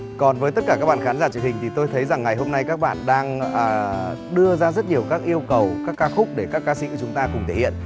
còn với tất cả các bạn khán giả truyền hình thì tôi thấy rằng ngày hôm nay các bạn đang đưa ra rất nhiều các yêu cầu các ca khúc để các ca sĩ của chúng ta cũng thể hiện